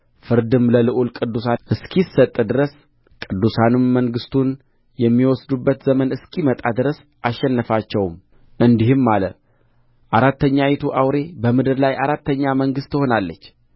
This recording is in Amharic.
ፍርድም ለልዑሉ ቅዱሳን እስኪሰጥ ድረስ ቅዱሳኑም መንግሥቱን የሚወስዱበት ዘመን እስኪመጣ ድረስ አሸነፋቸውም እንዲህም አለ አራተኛይቱ አውሬ በምድር ላይ አራተኛ መንግሥት ትሆናለች